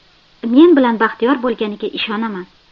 men bilan baxtiyor bo'lganiga ishonaman